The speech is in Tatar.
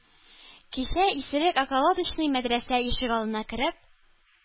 Кичә исерек околодочный мәдрәсә ишек алдына кереп,